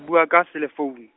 bua ka, selefounu.